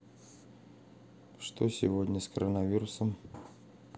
что сегодня с короновирусом